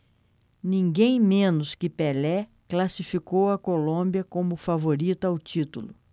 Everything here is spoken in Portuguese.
ninguém menos que pelé classificou a colômbia como favorita ao título